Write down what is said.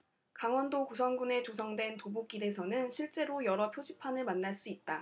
강원도 고성군에 조성된 도보길에서는 실제로 여러 표지판을 만날 수 있다